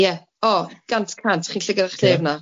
Ie, o, gant y cant, chi'n llygad y'ch lle fan 'na.